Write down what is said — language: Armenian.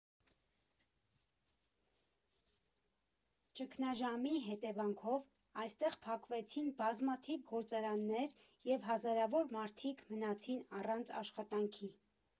Ճգնաժամի հետևանքով այստեղ փակվեցին բազմաթիվ գործարաններ և հազարավոր մարդիկ մնացին առանց աշխատանքի։